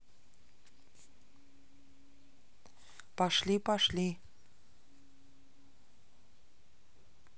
пошли пошли